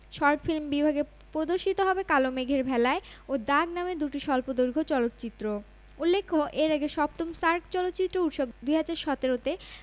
মিম ও সুজন ছাড়াও এ ফটোশ্যুটে চিত্রনায়িকা রাহা তানহা খান মডেল ও অভিনেতা ও রাজ ম্যানিয়ার পাশাপাশি অংশ নেন বোম্বের ফ্যাশন মডেল ভিনিত চৌধুরী ও দিল্লির শায়না সিং